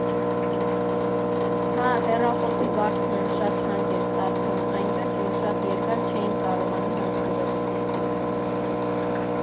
Հա, հեռախոսի վարձն էլ շատ թանկ էր ստացվում, այնպես որ շատ երկար չէինք կարողանում օգտվել։